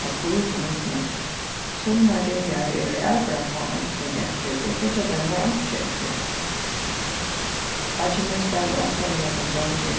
pappír til myndirnar summar dagar eru avbera fá eintøk eftir og fríggjadagin var einki eftir beiggi mín spælir ofta við nakrar dreingir